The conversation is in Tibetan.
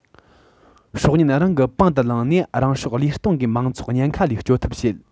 སྲོག ཉེན རང གི པང དུ བླངས ནས རང སྲོག བློས གཏོང གིས མང ཚོགས ཉེན ཁ ལས སྐྱོབ ཐབས བྱེད